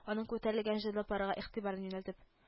Аның күтәрелгән җылы парга игътибарын юнәлтеп